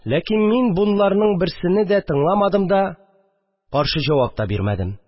Ләкин мин боларның берсене дә тыңламадым да, каршы җавап та бирмәдем